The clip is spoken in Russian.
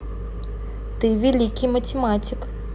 ты великий математик